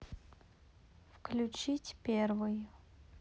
включить первый